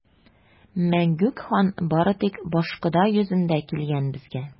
Мәңгүк хан бары тик башкода йөзендә килгән безгә!